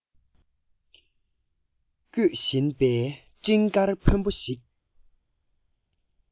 བསྐྱོད བཞིན པའི སྤྲིན དཀར ཕོན པོ ཞིག